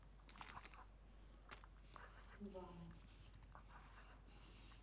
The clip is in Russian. ивана